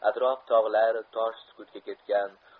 atrof togiar tosh sukutga ketgan